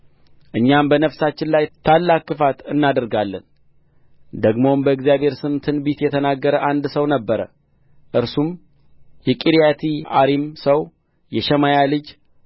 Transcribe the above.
እኛም በነፍሳችን ላይ ታላቅ ክፋት እናደርጋለን ደግሞም በእግዚአብሔር ስም ትንቢት የተናገረ አንድ ሰው ነበረ እርሱም የቂርያትይዓሪም ሰው የሸማያ ልጅ